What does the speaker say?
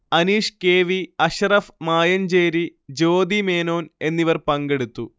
Aneesh K. V, Ashraf Mayancheri, Jyothi മേനോൻഎന്നിവർ പങ്കെടുത്തു